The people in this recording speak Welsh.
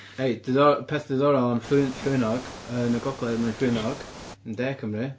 Hei, diddo- peth ddiddorol am llwyn- llwynog, yn y Gogledd mae'n llwynog, yn De Cymru...